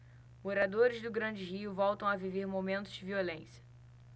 moradores do grande rio voltam a viver momentos de violência